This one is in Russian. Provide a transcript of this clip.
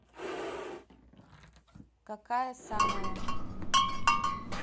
какая самая